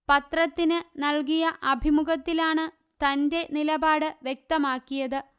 പത്രത്തിന് നല്കിയ അഭിമുഖത്തിലാണ് തന്റെ നിലപാട് വ്യക്തമാക്കിയത്